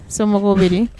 Somɔgɔw bɛ